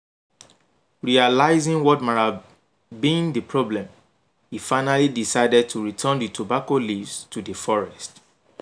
Realizing what might have been the problem, he finally decided to return the tobacco leaves to the forest.